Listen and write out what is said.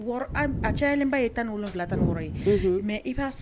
Wɔɔrɔ a a cayalenba tan ani wolonwula tan ani wɔɔrɔ ye. Mais i k'a